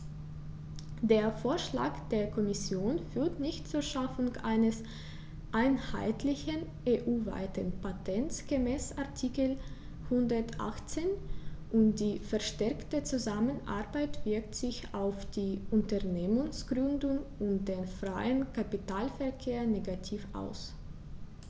Der Vorschlag der Kommission führt nicht zur Schaffung eines einheitlichen, EU-weiten Patents gemäß Artikel 118, und die verstärkte Zusammenarbeit wirkt sich auf die Unternehmensgründung und den freien Kapitalverkehr negativ aus.